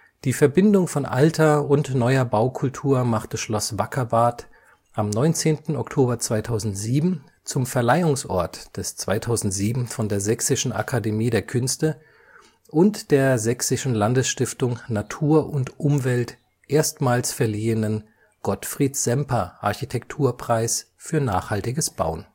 Die Verbindung von alter und neuer Baukultur machte Schloss Wackerbarth am 19. Oktober 2007 zum Verleihungsort des 2007 von der Sächsischen Akademie der Künste und der Sächsischen Landesstiftung Natur und Umwelt erstmals verliehenen Gottfried-Semper-Architekturpreis für nachhaltiges Bauen